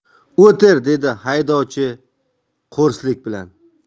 o'tir dedi haydovchi qo'rslik bilan